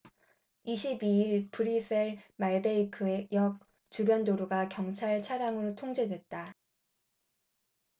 이십 이 일 브뤼셀 말베이크역 주변 도로가 경찰 차량으로 통제됐다